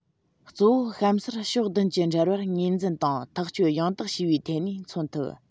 གཙོ བོ གཤམ གསལ ཕྱོགས བདུན གྱི འབྲེལ བར ངོས འཛིན དང ཐག གཅོད ཡང དག བྱས པའི ཐད ནས མཚོན ཐུབ